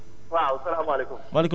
d' accord ñu xool ki ci ligne bi allo